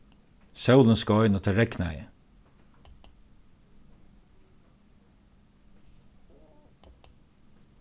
sólin skein og tað regnaði